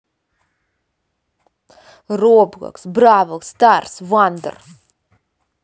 роблокс бравл старс ван тандер